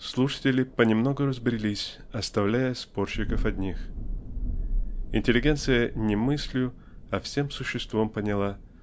слушатели понемногу разбрелись, оставляя спорщиков одних. Интеллигенция не мыслью а всем существом поняла